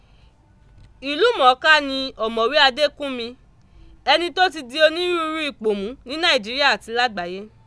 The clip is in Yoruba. Ìlúmọ̀ọ́ká ni Ọ̀mọ̀wé Adékúnmi, ẹni tó ti di onírúurú ipò mú ní Nàìjíríà àti lágbàyé.